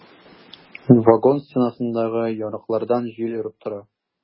Вагон стенасындагы ярыклардан җил өреп тора.